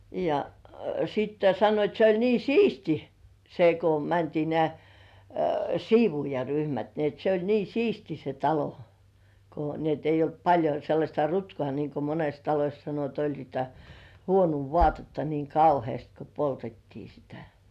ja sitten sanoivat se oli niin siisti se kun mentiin nämä siivoojaryhmät niin että se oli siisti se talo kun niin että ei ollut paljon sellaista rutkaa niin kuin monessa talossa sanoi että oli niitä huonoa vaatetta niin kauheasti kun poltettiin sitä